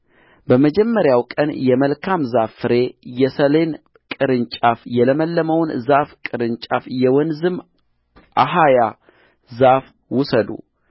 በመጀመሪያው ቀን የመልካም ዛፍ ፍሬ የሰሌን ቅርንጫፍ የለመለመውን ዛፍ ቅርንጫፍ የወንዝም አኻያ ዛፍ ውሰዱ